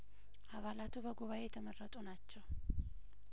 አባላቱ በጉባኤ የተመረጡ ናቸው